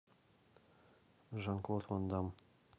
жан клод ван дамм